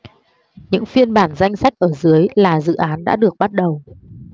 những phiên bản danh sách ở dưới là dự án đã được bắt đầu